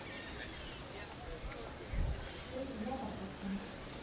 ты и я барбоскины